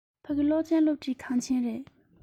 ཕ གི གློག ཅན སློབ ཁྲིད ཁང ཆེན ཡིན